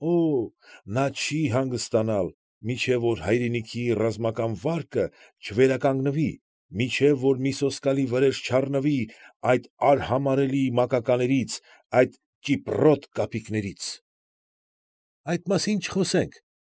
Օօ՜, նա չի հանգստանալ, մինչև հայրենիքի ռազմական վարկը չվերականգնվի, մինչև որ մի սոսկալի վրեժ չառնվի այդ արհամարհելի մակակներից, այդ ճիպռոտ կապիկներից։ ֊ Այդ մասին չխոսինք,֊